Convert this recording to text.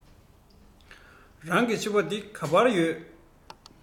རང གི ཕྱུ པ དེ ག པར ཡོད